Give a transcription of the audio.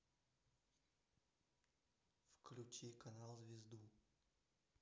включи канал звезду